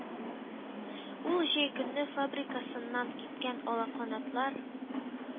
Ул җәй көннәре фабрикасыннан киткән алаканатлар,